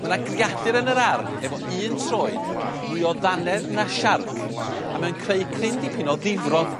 Ma' 'na greadur yn yr ar' efo un troed mwy o ddanedd na siarc a mae o'n creu cryn dipyn o ddifrod